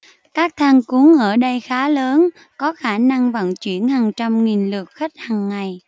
các thang cuốn ở đây khá lớn có khả năng vận chuyển hàng trăm nghìn lượt khách hàng ngày